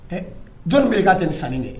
Ɛ jɔni bɛ yen k'a tɛ nin sanni kɛ